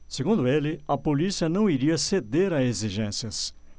segundo ele a polícia não iria ceder a exigências